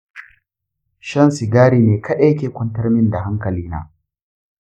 shan sigari ne kadai ke kwantar min da hankalina.